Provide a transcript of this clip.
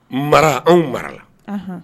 Mara anw marala